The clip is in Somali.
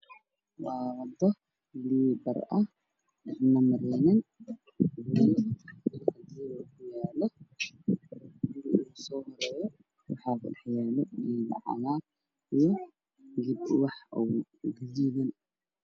Guri ayaa meeshan ku yaallo guriga kalirkiisu waa caddaan waxaa ka dambeeyay guri kale oo madoobe